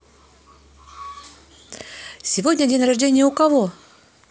сегодня день рождения у кого